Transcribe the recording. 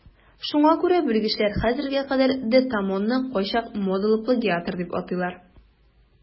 Шуңа күрә белгечләр хәзергә кадәр де Томонны кайчак модалы плагиатор дип атыйлар.